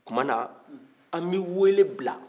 o tuma na an bɛ wele bila